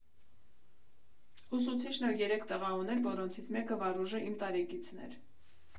Ուսուցիչն էլ երեք տղա ուներ, որոնցից մեկը՝ Վարուժը, իմ տարեկիցն էր։